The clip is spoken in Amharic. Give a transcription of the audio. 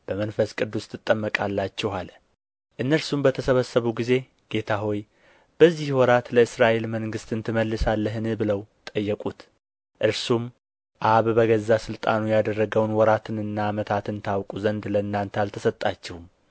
በመንፈስ ቅዱስ ትጠመቃላችሁ አለ እነርሱም በተሰበሰቡ ጊዜ ጌታ ሆይ በዚህ ወራት ለእስራኤል መንግሥትን ትመልሳለህን ብለው ጠየቁት እርሱም አብ በገዛ ሥልጣኑ ያደረገውን ወራትንና ዘመናትን ታውቁ ዘንድ ለእናንተ አልተሰጣችሁም